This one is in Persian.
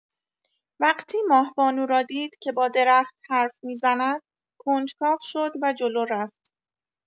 وقتی ماه‌بانو را دید که با درخت حرف می‌زند، کنجکاو شد و جلو رفت.